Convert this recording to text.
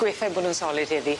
Gobeithio bo' nw'n solid heddi?